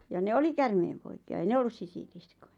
ja ne oli käärmeenpoikia ei ne ollut sisiliskoja